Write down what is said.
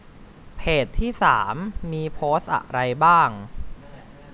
เพจที่สามมีโพสต์อะไรบ้าง